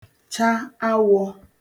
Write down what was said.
cha awọ̄